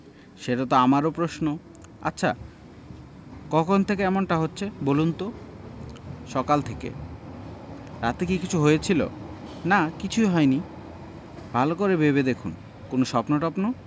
সেটা তো আমারও প্রশ্ন আচ্ছা কখন থেকে এমনটা হচ্ছে বলুন তো সকাল থেকে রাতে কি কিছু হয়েছিল না কিছুই হয়নি ভালো করে ভেবে দেখুন কোনো স্বপ্ন টপ্ন